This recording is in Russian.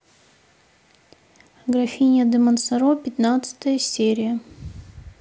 графиня де монсоро пятнадцатая серия